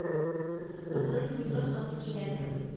Озын буйлы кыз кирәк